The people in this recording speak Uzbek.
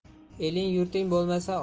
eling yurting bo'lmasa